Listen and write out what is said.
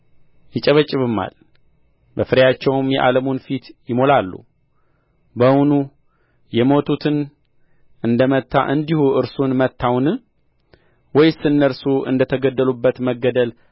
ይጨበጭብማል በፍሬያቸውም የዓለሙን ፊት ይሞላሉ በውኑ የመቱትን እንደ መታ እንዲሁ እርሱን መታውን ወይስ እነርሱ እንደ ተገደሉበት መገደል